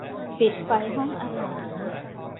ปิดไฟห้องอาหาร